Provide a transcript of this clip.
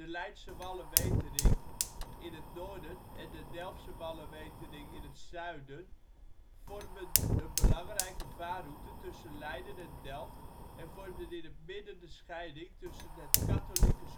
Leidsewallenwetering in het noorden en de Delftsewallenwetering in het zuiden vormden een belangrijke vaarroute tussen Leiden en Delft en vormden in het midden de scheiding tussen het katholieke